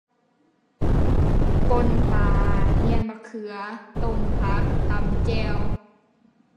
ป่นปลา เหนี่ยนบักเขือ ต้มผัก ตำแจ่ว